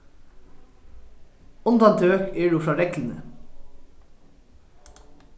undantøk eru frá regluni